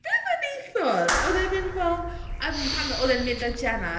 Be oedd e neithiwr? Oedd e’n mynd fel yym pan oedd e’n mynd â Gemma...